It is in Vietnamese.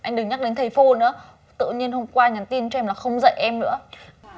anh đừng nhắc đến thầy phô nữa tự nhiên hôm qua nhắn tin cho em là không dậy em nữa